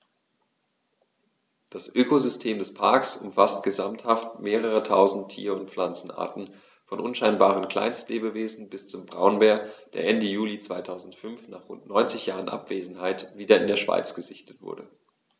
Das Ökosystem des Parks umfasst gesamthaft mehrere tausend Tier- und Pflanzenarten, von unscheinbaren Kleinstlebewesen bis zum Braunbär, der Ende Juli 2005, nach rund 90 Jahren Abwesenheit, wieder in der Schweiz gesichtet wurde.